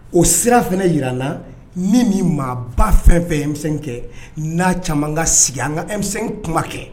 O sira fana jira la ni min maa ba fɛn o fɛn ye M5 kɛ n'a caman ka sigi an ka M5 kuma kɛ.